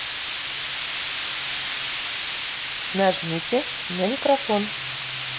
подождите